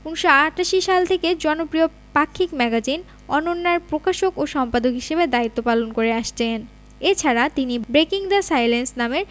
১৯৮৮ সাল থেকে জনপ্রিয় পাক্ষিক ম্যাগাজিন অনন্যার প্রকাশক ও সম্পাদক হিসেবে দায়িত্ব পালন করে আসছেন এ ছাড়া তিনি ব্রেকিং দ্য সাইলেন্স নামের